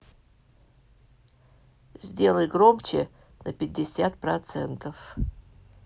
сделай громче на пятьдесят процентов